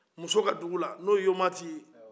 muso ka dugu la nin o ye yomati ye